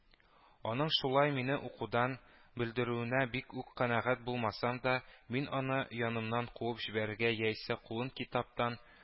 Аның шулай мине укудан бүлдерүенә бик үк канәгать булмасам да, мин аны янымнан куып җибәрергә яисә кулын китаптан